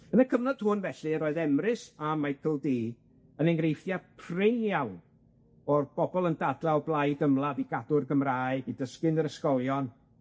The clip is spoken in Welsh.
Yn y cyfnod hwn felly roedd Emrys a Michael Dee yn enghreifftia' prin iawn o'r bobol yn dadla o blaid ymladd i gadw'r Gymraeg, i dysgu yn yr ysgolion,